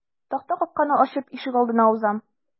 Такта капканы ачып ишегалдына узам.